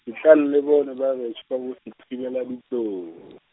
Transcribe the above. etlang le bone bagešo ba boSethibeladitlou.